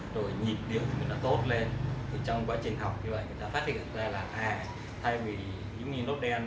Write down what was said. rồi nhịp nhàng tốt hơn trong quá trình tập luyện người ta phát hiện ra à